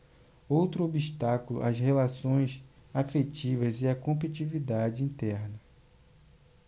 outro obstáculo às relações afetivas é a competitividade interna